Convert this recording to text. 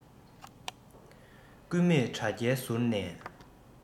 སྐུད མེད དྲ རྒྱའི ཟུར ནས